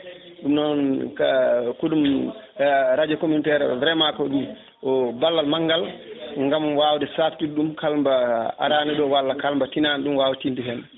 ɗum noon ko ɗum radio communautaire vraiment ko ɗum o ballal manggal gam wawde saktude ɗum kala mbo arani ɗo walla kal mbo tinani ɗum wawa tinde hen